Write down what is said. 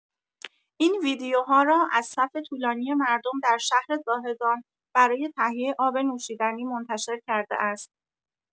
این ویدیوها را از صف طولانی مردم در شهر زاهدان برای تهیه آب نوشیدنی منتشر کرده است.